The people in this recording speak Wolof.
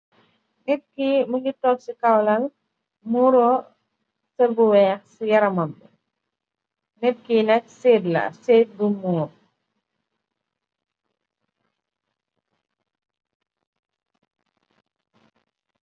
Nit ki mungi tog ci kawlal muuro sërbu weex ci yaramam bi nit ki nek saite boung moor.